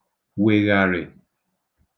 wèghàrị̀